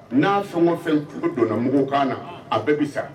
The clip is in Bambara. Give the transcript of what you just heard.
N'a sogɔ fɛn donna mɔgɔw kan na a bɛɛ bɛ sa